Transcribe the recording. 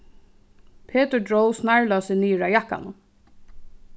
petur dró snarlásið niður á jakkanum